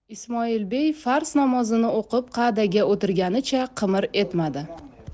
ismoilbey farz namozini o'qib qa'daga o'tirganicha qimir etmadi